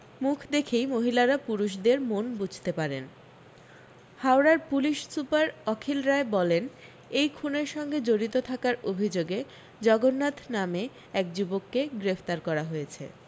মুখ দেখেই মহিলারা পুরুষদের মন বুঝতে পারেন হাওড়ার পুলিশ সুপার অখিল রায় বলেন এই খুনের সঙ্গে জড়িত থাকার অভি্যোগে জগন্নাথ নামে এক যুবককে গ্রেফতার করা হয়েছে